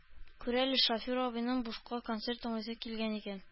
Күр әле, шофер абыйның бушка концерт тыңлыйсы килгән икән